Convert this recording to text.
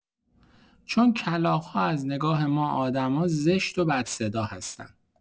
چون کلاغ‌ها از نگاه ما آدم‌ها زشت و بد صدا هستند.